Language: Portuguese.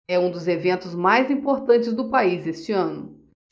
é um dos eventos mais importantes do país este ano